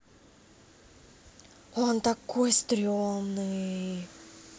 он такой стремный